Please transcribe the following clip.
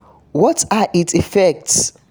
What are its effects?